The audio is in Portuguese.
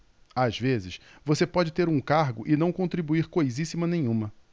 às vezes você pode ter um cargo e não contribuir coisíssima nenhuma